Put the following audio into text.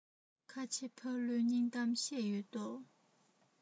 ཁ ཆེ ཕ ལུའི སྙིང གཏམ བཤད ཡོད དོ